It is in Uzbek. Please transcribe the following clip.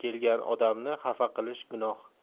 kelgan odamni xafa qilish gunoh